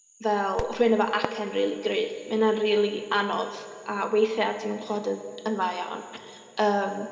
fel rhywun efo acen rili gryf. Ma' hynna'n rili anodd, a weithiau ti'm yn clywed yn yn dda iawn, yym.